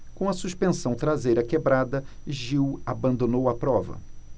com a suspensão traseira quebrada gil abandonou a prova